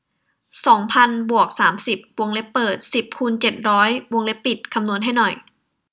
สองพันบวกสามสิบวงเล็บเปิดสิบคูณเจ็ดร้อยวงเล็บปิดคำนวณให้หน่อย